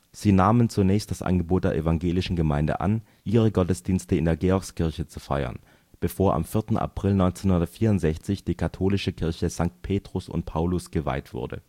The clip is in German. Sie nahmen zunächst das Angebot der evangelischen Gemeinde an, ihre Gottesdienste in der Georgskirche zu feiern, bevor am 4. April 1964 die katholische Kirche St. Petrus und Paulus geweiht wurde